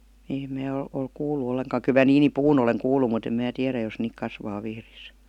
niin en minä ole ole kuullut ollenkaan kyllä minä niinipuun olen kuullut mutta en minä tiedä jos niitä kasvaa Vihdissä